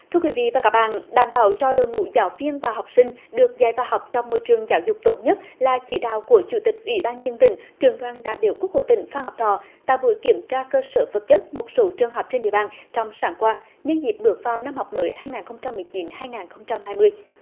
thưa quý vị và các bạn đảm bảo cho đội ngũ giáo viên và học sinh được dạy và học trong môi trường giáo dục tốt nhất là chỉ đạo của chủ tịch ủy ban dân tỉnh trưởng đoàn đại biểu quốc hội tỉnh phan ngọc thọ tại buổi kiểm tra cơ sở vật chất một số trường học trên địa bàn trong sáng qua nhân dịp bước vào năm học mới hai nghìn không trăm mười chín hai nghìn không trăm hai mươi